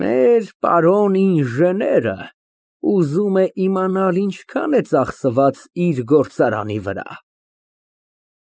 Մեր պարոն ինժեները ուզում է իմանալ, ինչքան է ծախսված իր գործարանի վրա։